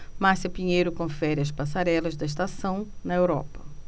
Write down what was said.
márcia pinheiro confere as passarelas da estação na europa